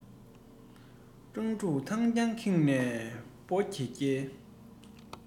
སྤྲང ཕྲུག ཐང རྒྱལ ཁེངས ནས སྦོ འགྱེད འགྱེད